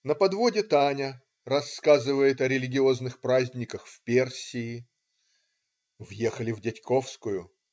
На подводе Таня рассказывает о религиозных праздниках в Персии. Въехали в Дядьковскую.